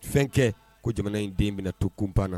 Fɛn kɛ ko jamana in den minɛ to kun banna na